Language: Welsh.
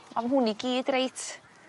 On' hwn i gyd reit